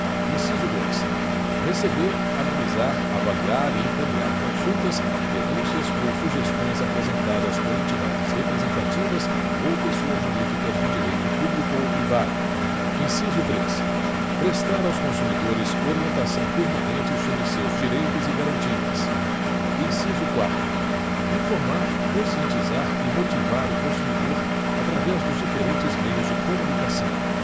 inciso dois receber analisar avaliar e encaminhar consultas denúncias ou sugestões apresentadas por entidades representativas ou pessoas jurídicas de direito público ou privado inciso três prestar aos consumidores orientação permanente sobre seus direitos e garantias inciso quatro informar conscientizar e motivar o consumidor através dos diferentes meios de comunicação